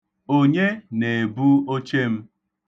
Onye na-ebu oche m?